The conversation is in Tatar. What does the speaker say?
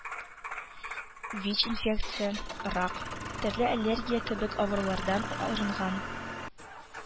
Вич-инфекция, рак, төрле аллергия кебек авырулардан арынган,